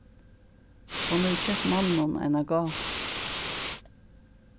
hon hevur keypt manninum eina gávu